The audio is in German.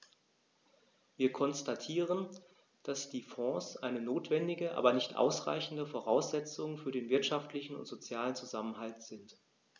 Wir konstatieren, dass die Fonds eine notwendige, aber nicht ausreichende Voraussetzung für den wirtschaftlichen und sozialen Zusammenhalt sind.